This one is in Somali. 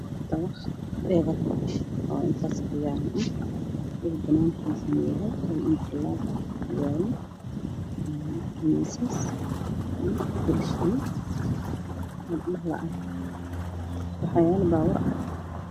Waa dabaq dheer oo dhawr biyaano ah banaankiisana waa intarloog waxaa yaalo miisas iyo kuraasman, waxaa yaalo baabuur cadaan ah.